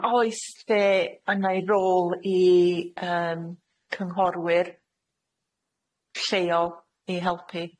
Yy a- a- oes lle yn ei rôl i yym cynghorwyr lleol i helpu